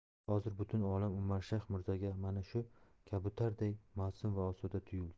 hozir butun olam umarshayx mirzoga mana shu kabutarday masum va osuda tuyuldi